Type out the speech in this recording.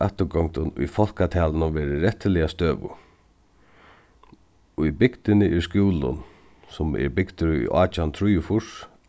afturgongdin í fólkatalinum verið rættiliga støðug í bygdini er skúlin sum er bygdur í átjan trýogfýrs